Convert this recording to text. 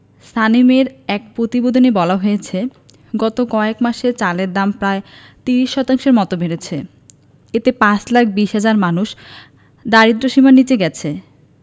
সানেমের এক প্রতিবেদনে বলা হয়েছে গত কয়েক মাসে চালের দাম প্রায় ৩০ শতাংশের মতো বেড়েছে এতে ৫ লাখ ২০ হাজার মানুষ দারিদ্র্যসীমার নিচে গেছে